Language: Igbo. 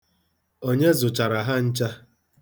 Onye zụchara ha ncha?